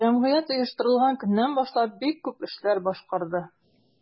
Җәмгыять оештырылган көннән башлап бик күп эшләр башкарды.